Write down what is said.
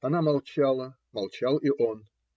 Она молчала, молчал и он.